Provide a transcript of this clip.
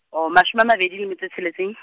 oh mashome a mabedi le metso e tsheletseng .